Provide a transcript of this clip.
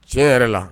Cɛ yɛrɛ la